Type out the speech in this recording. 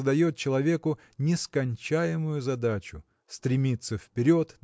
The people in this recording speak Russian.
задает человеку нескончаемую задачу – стремиться вперед